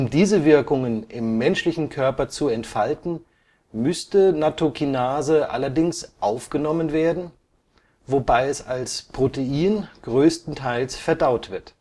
diese Wirkungen im menschlichen Körper zu entfalten, müsste Nattokinase allerdings aufgenommen werden, wobei es als Protein größtenteils verdaut wird